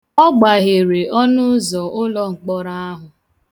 Ọ gbaghere ọnụụzọ ụlọ mkpọrọ.